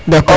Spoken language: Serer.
d' accord